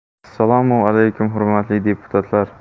assalomu alaykum hurmatli deputatlar